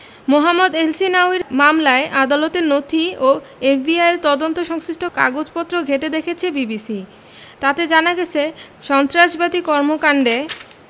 মোহাম্মদ এলসহিনাউয়ির মামলায় আদালতের নথি ও এফবিআইয়ের তদন্ত সংশ্লিষ্ট কাগজপত্র ঘেঁটে দেখেছে বিবিসি তাতে জানা গেছে সন্ত্রাসবাদী কর্মকাণ্ডে